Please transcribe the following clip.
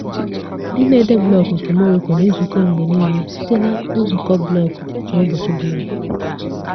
Ndị na-ede blọọgụ nke Morocco na-ezukọ mgbe niile site na nzukọ blọọgụ na ụbọchị blọọgụ.